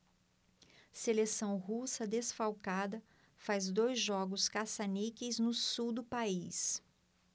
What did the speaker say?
seleção russa desfalcada faz dois jogos caça-níqueis no sul do país